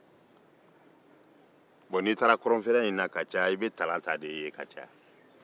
n'i taara kɔrɔnfɛla in i bɛ tarata ye ka caya